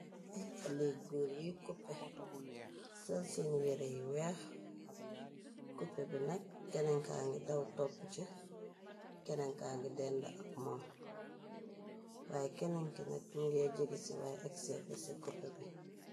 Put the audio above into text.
Ay ale guur yu coppe sël seen yere y weex koppe bi nag kenenka ngi daw topp ci kenenkaa ngi dend ak moom waye kenenkinak mingey jege ci waye ekseko ci coppe bi.